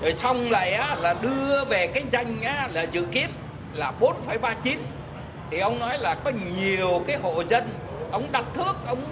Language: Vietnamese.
rồi xong lại á rồi đưa về cái danh á là dự kiến là bốn phẩy ba chín thì ông nói là có nhiều cái hộ dân thì ông đặt thước ông